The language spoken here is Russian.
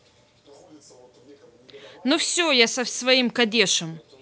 ну все я со своим кадешем